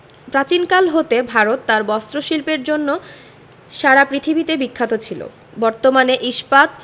প্রাচীনকাল হতে ভারত তার বস্ত্রশিল্পের জন্য সারা পৃথিবীতে বিখ্যাত ছিল বর্তমানে ইস্পাত